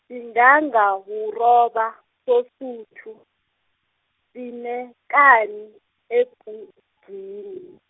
sigagawuroba, soSuthu, sinekani, ebhudwini.